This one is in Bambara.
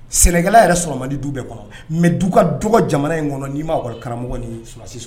Sɛnɛkɛla yɛrɛ sɔrɔ man di du bɛɛ kɔnɔ mais du ka dɔgɔ jamana in kɔnɔ n'i m'a lakɔlikaramɔgɔ ni sɔrɔdasi